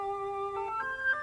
Miniyan yo